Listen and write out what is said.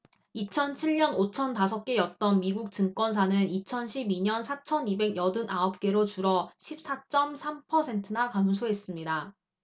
이천 칠 년 오천 다섯 개였던 미국 증권사는 이천 십 이 년 사천 이백 여든 아홉 개로 줄어 십 사 쩜 삼 퍼센트나 감소했습니다